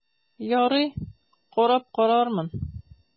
Ярый, карап карармын...